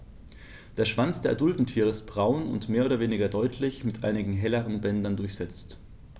Der Schwanz der adulten Tiere ist braun und mehr oder weniger deutlich mit einigen helleren Bändern durchsetzt.